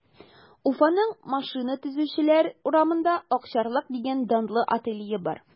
Уфаның Машина төзүчеләр урамында “Акчарлак” дигән данлы ателье бар.